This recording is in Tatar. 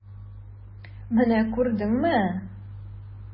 Менә күрдеңме!